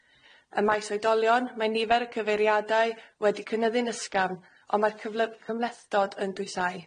Ym maes oedolion, mae nifer y cyfeiriadau wedi cynyddu'n ysgafn, ond mae'r cyfle- cymhlethdod yn dwysau.